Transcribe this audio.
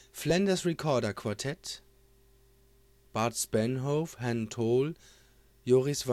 Flanders Recorder Quartet - Bart Spanhove, Han Tol, Joris